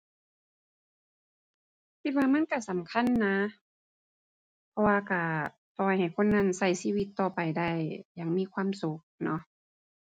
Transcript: คิดว่ามันก็สำคัญนะ เพราะว่าก็ปล่อยให้คนนั้นก็ชีวิตต่อไปได้อย่างมีความสุขเนาะ